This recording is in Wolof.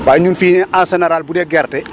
waaye ñun fii en général bu dee gerte